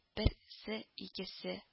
Берсе-икесе